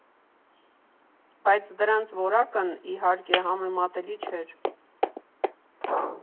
Բայց դրանց որակն իհարկե համեմատելի չէր։